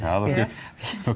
ja dokker .